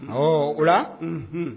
Ɔ o la, unhun